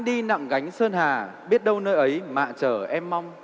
đi nặng gánh sơn hà biết đâu nơi ấy mạ chờ em mong